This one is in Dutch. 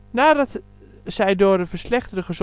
Nadat zij door een verslechterende